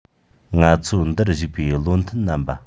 ང ཚོ འདིར བཞུགས པའི བློ མཐུན རྣམས པ